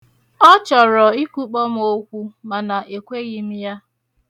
Ọ chọrọ ikwukpo m okwu, mana ekweghị m ya.